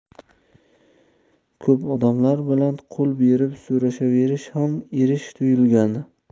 ko'p odamlar bilan qo'l berib so'rashaverish ham erish tuyilgan